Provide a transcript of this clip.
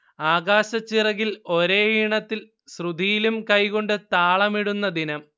ആകാശച്ചിറകിൽ ഒരേ ഈണത്തിൽ ശ്രുതിയിലും കൈകൊണ്ട് താളമിടുന്ന ദിനം